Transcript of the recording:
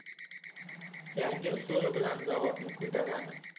yangi usuli bilan zavodni ko'taradi